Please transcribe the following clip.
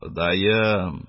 Ходаем